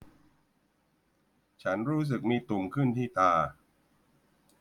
ฉันรู้สึกมีตุ่มขึ้นที่ตา